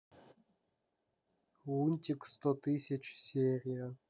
лунтик сто тысяч серия